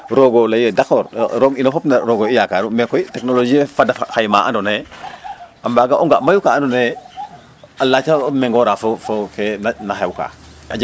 roog o layu yee daccord roog a ino fop roog o i yakaaru mais koy technologie fada xay ma andoona yee a mbaaga o nga' mayu ka andoonaye a laca mengoora fo ke na xewkaa